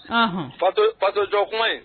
To fato jɔ kuma ye